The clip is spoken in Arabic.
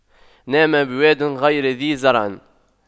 نزل بواد غير ذي زرع